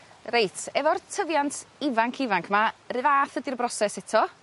Reit efo'r tyfiant ifanc ifanc 'ma 'r un fath ydi'r broses eto.